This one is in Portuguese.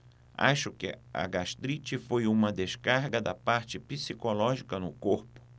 acho que a gastrite foi uma descarga da parte psicológica no corpo